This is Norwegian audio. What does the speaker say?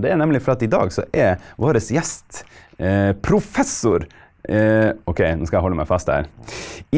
det er nemlig for at i dag så er vår gjest professor , ok nå skal jeg holde meg fast her